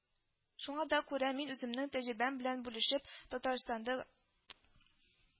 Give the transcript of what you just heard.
Шуңа да күрә мин үземнең тәҗрибәм белән бүлешеп, Татарстанда